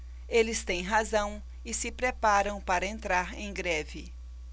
eles têm razão e se preparam para entrar em greve